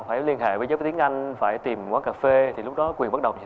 phải liên hệ với giáo viên tiếng anh phải tìm quán cà phê thì lúc đó quyền bắt đầu